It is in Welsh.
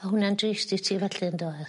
Ma' hwnna'n drist y ti felly yndo e?